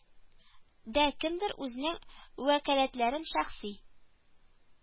Дә кемдер үзенең вәкаләтләрен шәхси